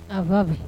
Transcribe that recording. <<